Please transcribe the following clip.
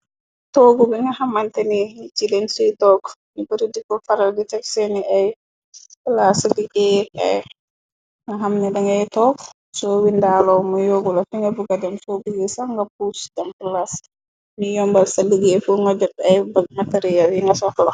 Toogu bi nga xamante, ni nic ci leñ suy toog nu bëtu diko faral di tek seeni ay plas liggéer ay, nga xam ñ da ngay toog soo windaaloo mu yoogu la fi nga buga dem, soo bigi sanga pus dem plas ni yombal ca liggée, fu nga jott ay bëg matariel yi nga soxlo.